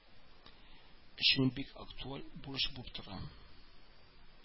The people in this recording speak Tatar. Өчен бик актуаль бурыч булып тора